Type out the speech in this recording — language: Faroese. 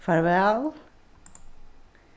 farvæl